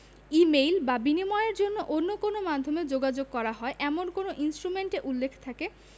ই mail বা বিনিময়ের জন্য কোন মাধ্যমে যোগাযোগ করা হয় এমন কোন ইনষ্ট্রুমেন্টে উল্লেখ থাকে